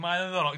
Ma'n ddiddorol.